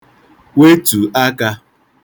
wetù akā